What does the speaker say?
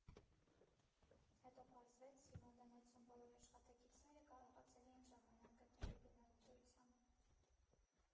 Հետո պարզվեց՝ հիվանդանոցում բոլոր աշխատակիցները կարողացել էին ժամանակ գտնել ու գնալ ընտրության։